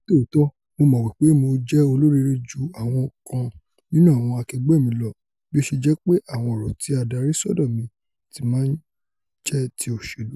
Ní tòótọ́, Mo mọ̀ wí pé Mo jẹ́ olóríire ju àwọn kan nínú àwọn akẹgbẹ́ mi lọ bí ó ṣe jẹ́pé àwọn ọ̀rọ̀ tí a darí sọ́dọ̀ mi tí máa ńjẹ́ ti òṣèlú.